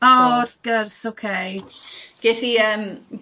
Oh, wrth gwrs, ocê.